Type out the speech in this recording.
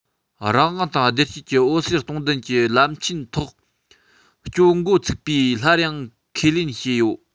རང དབང དང བདེ སྐྱིད ཀྱི འོད ཟེར སྟོང ལྡན གྱི ལམ ཆེན ཐོག སྐྱོད འགོ ཚུགས པའི སླར ཡང ཁས ལེན བྱས ཡོད